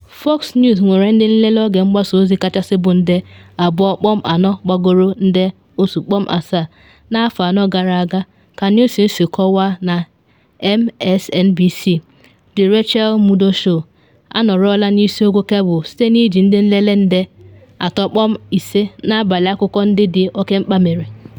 Fox News nwere ndị nlele oge mgbasa ozi kachasị bụ nde 2.4, gbagoro nde 1.7 n’afọ anọ gara aga, ka Nielsen si kọwaa, na MSNBC “The Rachel Maddow Show” anọrọla n’isi ogo kebụl site na iji ndị nlele nde 3.5 n’abalị akụkọ ndị dị oke mkpa mere.